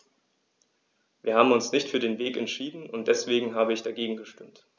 Wir haben uns nicht für diesen Weg entschieden, und deswegen habe ich dagegen gestimmt.